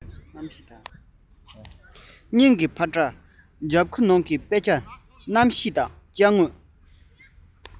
སྙིང གི འཕར སྒྲ རྒྱབ ཁུག ནང གི དཔེ ཆ གནམ གཤིས དང སྐྱེ དངོས